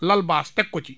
lal bâche teg ko ci